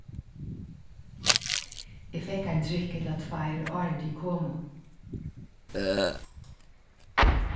eg fekk ein drykk ella tveir áðrenn tit komu